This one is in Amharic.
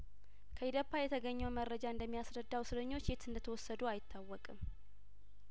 ከኢደፓ የተገኘው መረጃ እንደሚያስረዳው እስረኞች የት እንደተወሰዱ አይታወቅም